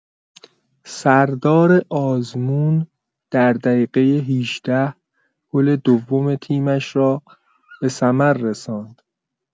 سردار آزمون در دقیقه ۱۸ گل دوم تیمش را به ثمر رساند.